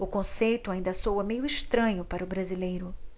o conceito ainda soa meio estranho para o brasileiro